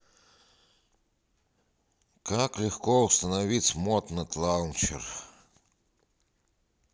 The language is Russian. как легко установить мод на тлаунчер